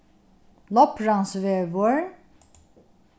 lopransvegur